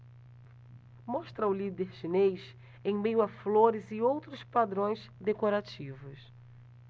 mostra o líder chinês em meio a flores e outros padrões decorativos